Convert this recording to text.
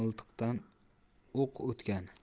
miltiqdan o'q otgani